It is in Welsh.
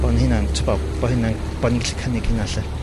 bo' yn hynna'n t'bo' bo' hynna'n... Bo' ni gallu cynnig hynna 'lly.